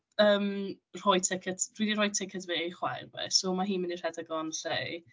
Yym, rhoi ticket dwi 'di rhoi ticket fi i chwaer fi, so mae hi'n mynd i rhedeg o yn lle.